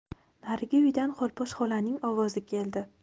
narigi uydan xolposh xolaning ovozi keldi